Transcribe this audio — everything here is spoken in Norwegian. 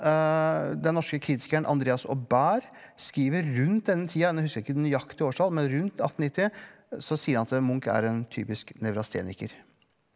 den norske kritikeren Andreas Aubert skriver rundt den tida nå husker jeg ikke det nøyaktige årstall men rundt 1890 så sier han at Munch er en typisk nevrasteniker.